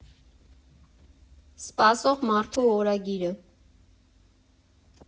Սպասող մարդու օրագիրը։